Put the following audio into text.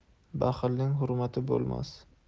baxilning hurmati bo'lmas